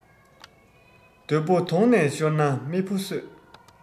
བདུད པོ དོང ནས ཤོར ན མི ཕོ གསོད